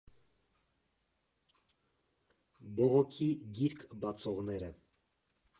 Բողոքի գիրք բացողները։